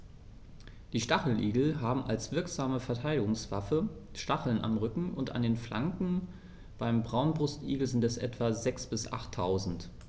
Die Stacheligel haben als wirksame Verteidigungswaffe Stacheln am Rücken und an den Flanken (beim Braunbrustigel sind es etwa sechs- bis achttausend).